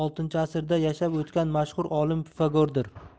vi asrda yashab o'tgan mashhur olim pifagordir